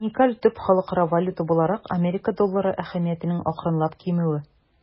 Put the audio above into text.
Уникаль төп халыкара валюта буларак Америка доллары әһәмиятенең акрынлап кимүе.